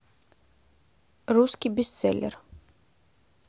русский бестселлер